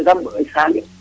wala par example 100000